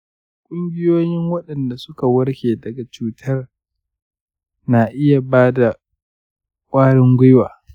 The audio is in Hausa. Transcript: kungoyoyin wadanda suka warke daga cutar na iya bada kwarin guiwa.